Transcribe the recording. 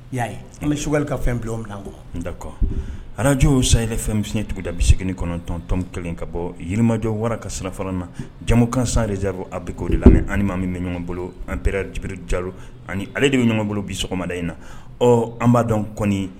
Y'a ye an bɛ sukali ka fɛn bila min kɔ n da kɔ arajo san yɛrɛ fɛnyɛnɲɛ tuguda segin kɔnɔntɔntɔn kelen ka bɔ yirimajɔ wara ka sira fana na jamumukansan dediro a bɛ'o de la anilima min bɛ ɲɔgɔn bolo anpɛra dibiri jalo ani ale de bɛ ɲɔgɔnbolo bi sɔgɔmada in na ɔ an bba dɔn kɔni